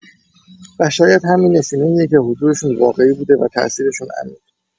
و شاید همین نشونه اینه که حضورشون واقعی بوده و تاثیرشون عمیق.